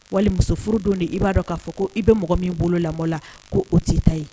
Wali muso furu don de i b'a dɔn k'a fɔ ko i bɛ mɔgɔ min bolo lamɔ la ko o tɛta yen